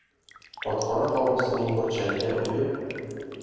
otxona hovlisining burchagiga uyib